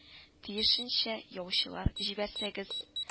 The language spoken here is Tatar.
—тиешенчә яучылар җибәрсәгез